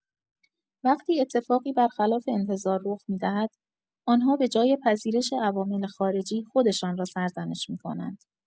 وقتی اتفاقی برخلاف انتظار رخ می‌دهد، آن‌ها به‌جای پذیرش عوامل خارجی، خودشان را سرزنش می‌کنند.